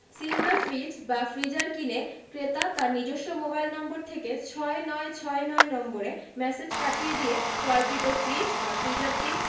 singer fridge freezer কিনে ক্রেতা তার নিজস্ব মোবাইল নম্বর থেকে ৬৯৬৯ নম্বরে ম্যাসেজ পাঠিয়ে দিয়ে ক্রয়কৃত ফ্রিজ বা ফ্রিজারটির